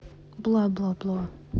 блаблабла